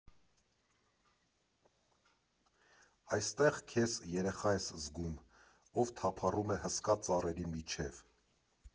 Այստեղ քեզ երեխա ես զգում, ով թափառում է հսկա ծառերի միջև։